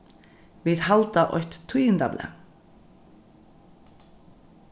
vit halda eitt tíðindablað